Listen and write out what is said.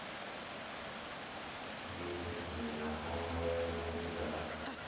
светит незнакомая звезда